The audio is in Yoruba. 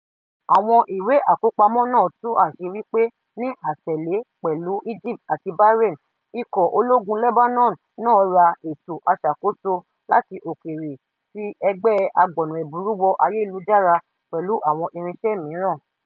Àwọn ìwé àkópamọ́ náà tú àṣírí pé ní àtẹ̀lé pẹ̀lú Egypt àti Bahrain, ikọ̀ Ológun Lebanon náà ra Ètò Aṣàkóso láti Òkèèrè ti Ẹgbẹ́ Agbọ̀nàẹ̀bùrú-wọ-ayélujára, pẹ̀lú àwọn irinṣẹ́ mìíràn.